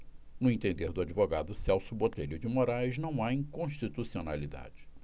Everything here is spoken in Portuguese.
no entender do advogado celso botelho de moraes não há inconstitucionalidade